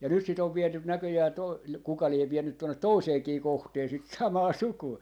ja nyt sitä on viety näköjään - kuka lie vienyt tuonne toiseenkin kohtaan sitä samaa sukua